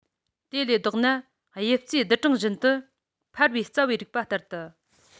དེ ལས ལྡོག ན དབྱིབས རྩིས བསྡུར གྲངས བཞིན དུ འཕར བའི རྩ བའི རིགས པ ལྟར དུ